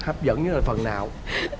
hấp dẫn nhất là phần nào